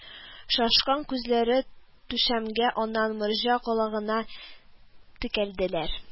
Шашкан күзләре түшәмгә, аннан морҗа калагына текәлделәр